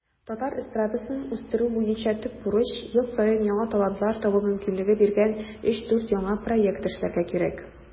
Татар эстрадасын үстерү буенча төп бурыч - ел саен яңа талантлар табу мөмкинлеге биргән 3-4 яңа проект эшләргә кирәк.